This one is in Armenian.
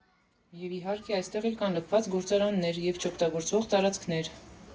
Եվ, իհարկե, այստեղ էլ կան լքված գործարաններ և չօգտագործվող տարածքներ։